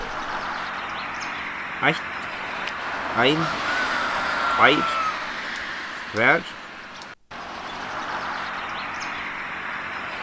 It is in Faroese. eitt ein tveir tvær